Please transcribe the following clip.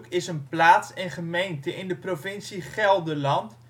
is een plaats en gemeente in de provincie Gelderland